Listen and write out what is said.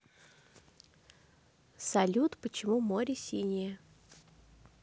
салют почему море синее